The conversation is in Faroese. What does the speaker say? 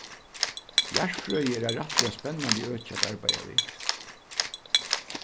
jarðfrøði er eitt rættiliga spennandi øki at arbeiða við